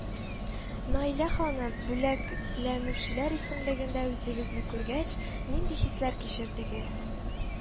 Наилә ханым, бүләк ләнүчеләр исемлегендә үзегезне күргәч, нинди хисләр кичердегез